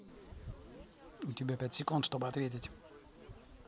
у тебя пять секунд чтобы ответить